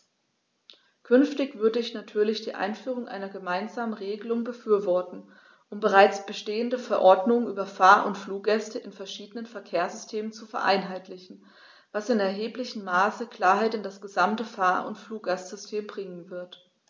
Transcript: Künftig würde ich natürlich die Einführung einer gemeinsamen Regelung befürworten, um bereits bestehende Verordnungen über Fahr- oder Fluggäste in verschiedenen Verkehrssystemen zu vereinheitlichen, was in erheblichem Maße Klarheit in das gesamte Fahr- oder Fluggastsystem bringen wird.